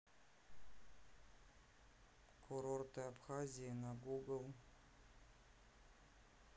курорты абхазии на google